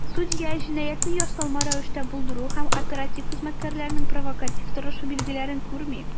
Судья "җинаятьне ясалма рәвештә булдыру" һәм "оператив хезмәткәрләрнең провокатив торышы" билгеләрен күрми.